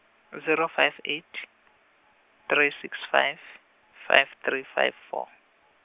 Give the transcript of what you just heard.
zero five eight, three six five, five three five four.